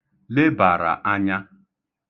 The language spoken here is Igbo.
lebàrà anya